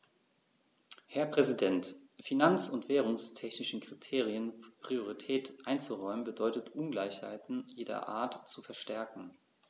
Herr Präsident, finanz- und währungstechnischen Kriterien Priorität einzuräumen, bedeutet Ungleichheiten jeder Art zu verstärken.